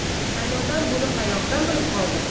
qaynotam buni qayoqdan bilib qoldi